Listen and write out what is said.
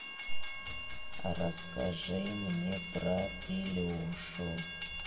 расскажи мне про илюшу